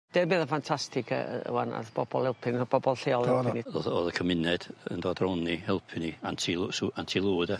De' bydd y ffantastig yy yy y wanaf bobol elpu o' 'na bobol lleol . O'dd o'dd y cymuned yn dod rown' ni helpu ni Aunty Lw- Sw- Aunty Lou yde?